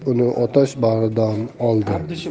ilib uni otash bag'ridan oldi